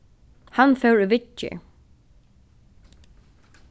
hann fór í viðgerð